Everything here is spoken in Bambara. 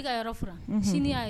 Yɔrɔ